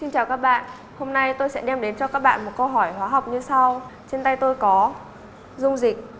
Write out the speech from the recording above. xin chào các bạn hôm nay tôi sẽ đem đến cho các bạn một câu hỏi hóa học như sau trên tay tôi có dung dịch